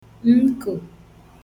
nkò